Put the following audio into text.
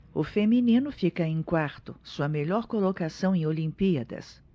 o feminino fica em quarto sua melhor colocação em olimpíadas